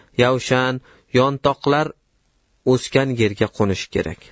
yovshan yantoqlar o'sgan yerga qo'nishi kerak